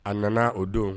A nana o don